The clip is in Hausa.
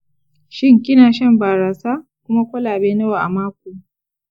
shin kina shan barasa, kuma kwalabe nawa a mako?